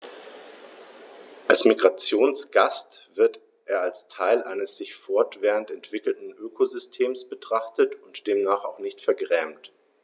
Als Migrationsgast wird er als Teil eines sich fortwährend entwickelnden Ökosystems betrachtet und demnach auch nicht vergrämt.